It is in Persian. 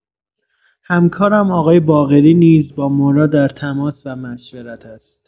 همکارم آقای باقری نیز با مورا در تماس و مشورت است.